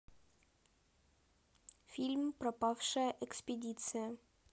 фильм пропавшая экспедиция